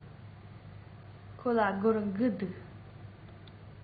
ཁོ ལ སྒོར དགུ འདུག